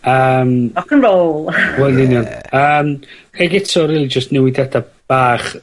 Yym. Rock and Roll. Wel yn union. Yym ag eto rili jyst newidiada bach